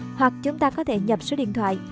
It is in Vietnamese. hoặc chúng ta có thể nhập số điện thoại